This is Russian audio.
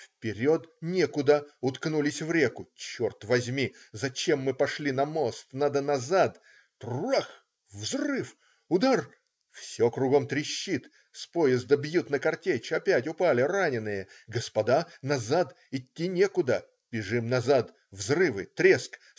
Вперед некуда -уткнулись в реку. Черт возьми! Зачем мы пошли на мост! Надо назад! Тррах! Взрыв! Удар! Все кругом трещит. С поезда бьют на картечь! Опять упали раненые. Господа! Назад! Идти некуда! Бежим назад. Взрывы! Треск!